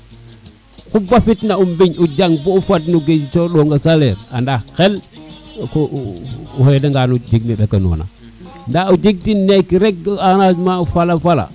o xu bafit na o mbiñ bo dad no ke coɗonga no salaire anda xel ko o xeda ngan o jeg me mbeka nona nda o jeg tin neke rek enrangement of fala fala